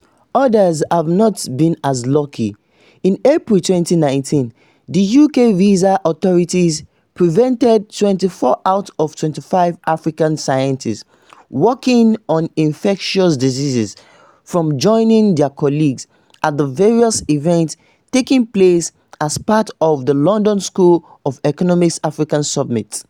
Others have not been as lucky. In April 2019, the UK visa authorities prevented 24 out of 25 African scientists working on infectious diseases from joining their colleagues at various events taking place as part of the London School of Economics Africa Summit.